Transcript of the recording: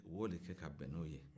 u bɛ o de kɛ k'a bɛ n'o ye